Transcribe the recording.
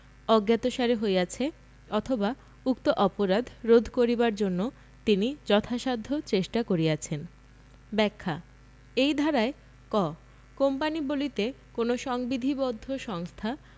অজ্ঞাতসারে হইয়াছে অথবা উক্ত অপরাধ রোধ করিবার জন্য তিনি যথাসাধ্য চেষ্টা করিয়াছেন ব্যাখ্যা এই ধারায় ক কোম্পানী বলিতে কোন সংবিধিবদ্ধ সংস্থা